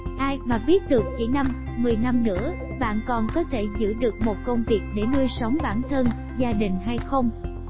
ai mà biết được chỉ năm nữa bạn còn có thể giữ được một công việc để nuôi sống bản thân gia đình